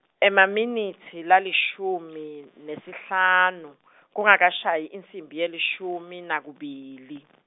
Emaminitsi lalishumi, nesihlanu, kungakashayi insimbi yelishumi nakubili.